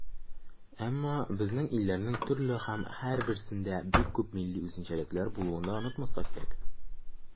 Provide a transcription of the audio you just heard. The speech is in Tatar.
Әмма безнең илләрнең төрле һәм һәрберсендә бик күп милли үзенчәлекләр булуын да онытмаска кирәк.